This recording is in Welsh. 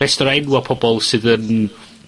rester o enwau pobol sydd yn